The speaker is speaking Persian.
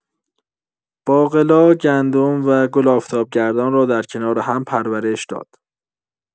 باقلا، گندم و گل آفتابگردان را در کنار هم پرورش داد.